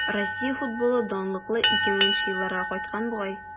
Россия футболы данлыклы 2000 нче елларга кайткан бугай.